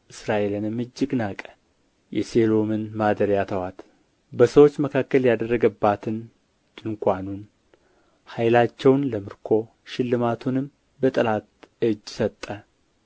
እስራኤልንም እጅግ ናቀ የሴሎምን ማደሪያ ተዋት በሰዎች መካከል ያደረገባትን ድንኳኑን ኃይላቸውን ለምርኮ ሽልማቱንም በጠላት እጅ ሰጠ